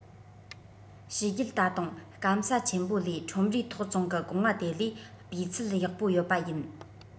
གཤིས རྒྱུད ད དུང སྐམ ས ཆེན མོ ལས ཁྲོམ རའི ཐོག བཙོང གི སྒོ ང དེ ལས སྤུས ཚད ཡག པོ ཡོད པ ཡིན